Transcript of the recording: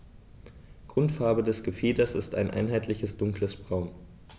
Grundfarbe des Gefieders ist ein einheitliches dunkles Braun.